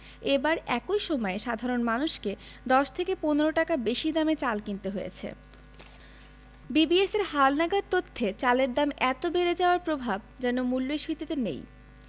এবার একই সময়ে সাধারণ মানুষকে ১০ থেকে ১৫ টাকা বেশি দামে চাল কিনতে হয়েছে বিবিএসের হালনাগাদ তথ্যে চালের দাম এত বেড়ে যাওয়ার প্রভাব যেন মূল্যস্ফীতিতে নেই